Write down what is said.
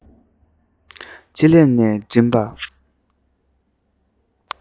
ལྕེ ལེབ ནས མགྲིན པ